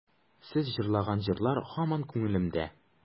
Сез җырлаган җырлар һаман күңелемдә.